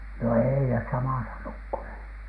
no ei ne samassa nukkua